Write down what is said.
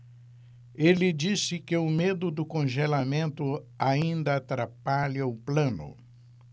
ele disse que o medo do congelamento ainda atrapalha o plano